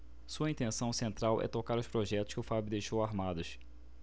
sua intenção central é tocar os projetos que o fábio deixou armados